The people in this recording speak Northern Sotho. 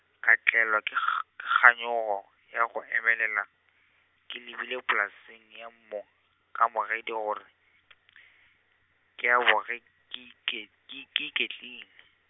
ka tlelwa ke kg- kganyogo, ya go emelela, ke lebile polaseng ya monkamogedi gore , ke ya boge ke ike- ke ke iketlile.